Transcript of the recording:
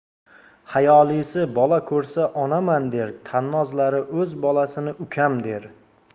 hayolisi bola ko'rsa onaman der tannozlari o'z bolasini ukam der